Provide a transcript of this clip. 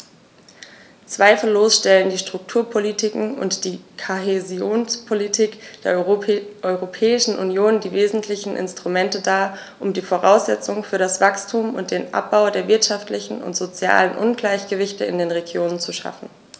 Zweifellos stellen die Strukturpolitiken und die Kohäsionspolitik der Europäischen Union die wesentlichen Instrumente dar, um die Voraussetzungen für das Wachstum und den Abbau der wirtschaftlichen und sozialen Ungleichgewichte in den Regionen zu schaffen.